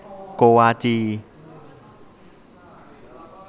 โกวาจี